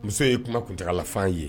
Muso ye kuma kuntaa lafan ye